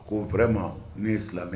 Ko vraiment ne ye silamɛ